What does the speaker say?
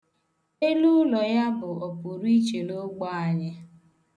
Eluụlọ ya bụ ọpụrụiche n' ogbo anyị.